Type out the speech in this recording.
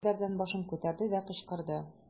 Ул мендәрдән башын күтәрде дә, кычкырды.